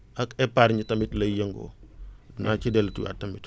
ak épargne tamit lay yëngoo naa ci delluciwaat tamit